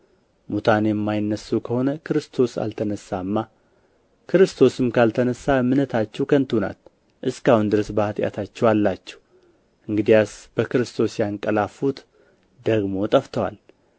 ሙታን የማይነሡ ከሆነ ክርስቶስ አልተነሣማ ክርስቶስም ካልተነሣ እምነታችሁ ከንቱ ናት እስከ አሁን ድረስ በኃጢአታችሁ አላችሁ እንግዲያስ በክርስቶስ ያንቀላፉት ደግሞ ጠፍተዋላ